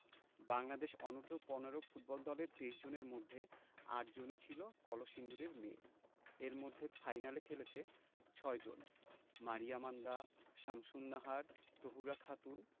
বাংলাদেশ অনূর্ধ্ব ১৫ ফুটবল দলের ২৩ জনের মধ্যে ৮ জনই ছিল কলসিন্দুরের মেয়ে এর মধ্যে ফাইনালে খেলেছে ৬ জন মারিয়া মান্দা শামসুন্নাহার তহুরা খাতুন